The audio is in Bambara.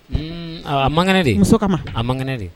A man kɛnɛ de muso kama a man kɛnɛ de